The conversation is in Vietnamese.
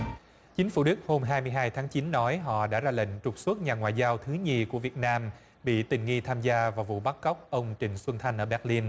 chính phủ đức hôm hai mươi hai tháng chín nói họ đã ra lệnh trục xuất nhà ngoại giao thứ nhì của việt nam bị tình nghi tham gia vào vụ bắt cóc ông trịnh xuân thanh ở béc lin